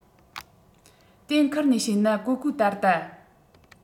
གཏན འཁེལ ནས བཤད ན ཀོའུ ཀོའུ ད ལྟ